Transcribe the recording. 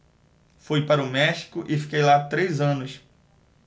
fui para o méxico e fiquei lá três anos